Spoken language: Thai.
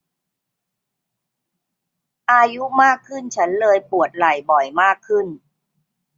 อายุมากขึ้นฉันเลยปวดไหล่บ่อยมากขึ้น